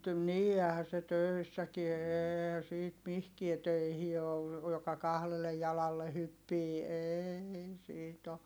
niin eihän se töissäkään eihän siitä mihinkään töihin ole joka kahdelle jalalle hyppii ei siitä ole